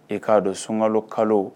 E k'a dɔn sunkalo kalo